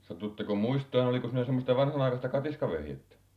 satutteko muistamaan oliko siinä semmoista vanhanaikaista katiskavehjettä